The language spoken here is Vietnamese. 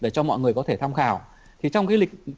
để cho mọi người có thể tham khảo thì trong cái lịch